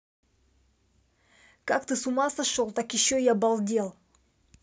как ты с ума сошел так еще и обалдел